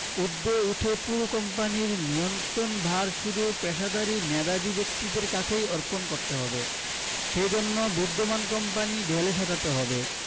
ঊর্ধ্বে উঠে পুরো কোম্পানির নিয়ন্ত্রণভার শুধু পেশাদারি মেধাবী ব্যক্তিদের কাছেই অর্পণ করতে হবে সে জন্য বিদ্যমান কোম্পানি ঢেলে সাজাতে হবে